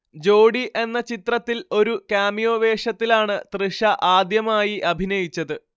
ജോഡി എന്ന ചിത്രത്തിൽ ഒരു കാമിയോ വേഷത്തിലാണ് തൃഷ ആദ്യമായി അഭിനയിച്ചത്